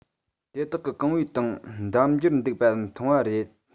དེ དག གི རྐང བའི སྟེང འདམ འབྱར འདུག པ མཐོང བ རེད ཟེར